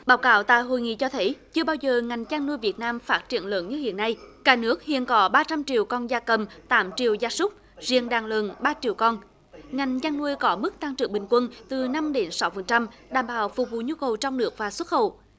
báo cáo tại hội nghị cho thấy chưa bao giờ ngành chăn nuôi việt nam phát triển lớn như hiện nay cả nước hiện có ba trăm triệu con gia cầm tám triệu gia súc riêng đàn lợn ba triệu con ngành chăn nuôi có mức tăng trưởng bình quân từ năm đến sáu phần trăm đảm bảo phục vụ nhu cầu trong nước và xuất khẩu